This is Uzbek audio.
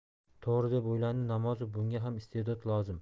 to'g'ri deb o'yladi namozov bunga ham iste'dod lozim